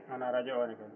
wona radio o ne kay